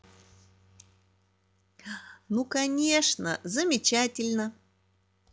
ну конечно замечательно